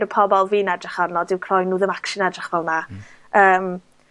y pobol fi'n edrych arno dyw croen nhw ddim actually'n edrych fel 'na. Hmm. Yym